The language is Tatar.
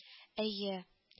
– әйе